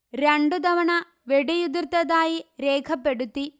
രണ്ടു തവണ വെടിയുതിർത്തതായി രേഖപ്പെടുത്തി